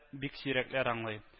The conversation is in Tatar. Бик сирәкләр аңлый